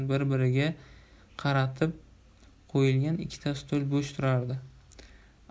bir biriga qaratib qo'yilgan ikkita stol bo'sh turardi